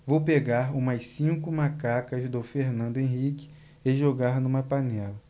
vou pegar umas cinco macacas do fernando henrique e jogar numa panela